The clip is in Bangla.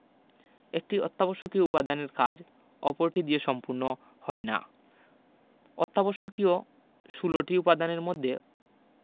একটি অত্যাবশ্যকীয় উপাদানের কাজ অপরটি দিয়ে সম্পুন্ন হয় না অত্যাবশ্যকীয় ১৬ টি উপাদানের মধ্যে